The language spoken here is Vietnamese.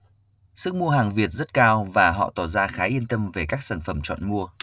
sức mua hàng việt rất cao và họ tỏ ra khá yên tâm về các sản phẩm chọn mua